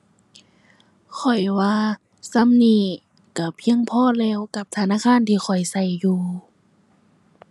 ข้อยว่าส่ำนี้ก็เพียงพอแล้วกับธนาคารที่ข้อยก็อยู่